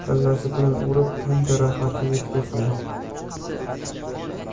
kallasi bilan urib tan jarohati yetkazgan